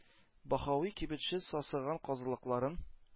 Баһави кибетче сасыган казылыкларын